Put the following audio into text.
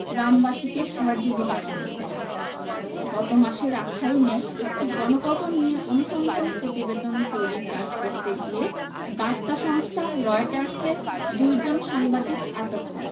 গ্রামবাসীকে সহযোগিতা করেছে গত মাসে রাখাইনে একটি গণকবর নিয়ে অনুসন্ধানী প্রতিবেদন তৈরির কাজ করতে গিয়ে বার্তা সংস্থা রয়টার্সের দুজন সাংবাদিক আটক হন